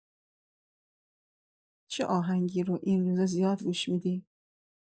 چه آهنگی رو این روزا زیاد گوش می‌دی؟